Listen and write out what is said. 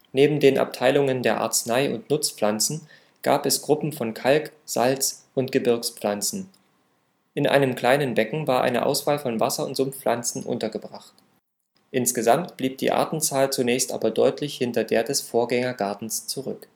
Neben den Abteilungen der Arznei - und Nutzpflanzen gab es Gruppen von Kalk -, Salz - und Gebirgspflanzen. In einem kleinen Becken war eine Auswahl von Wasser - und Sumpfpflanzen untergebracht. Insgesamt blieb die Artenzahl zunächst aber deutlich hinter der des Vorgängergartens zurück